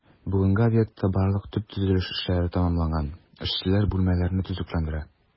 Бүгенгә объектта барлык төп төзелеш эшләре тәмамланган, эшчеләр бүлмәләрне төзекләндерә.